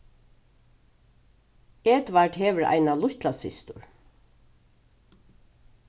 edvard hevur eina lítlasystur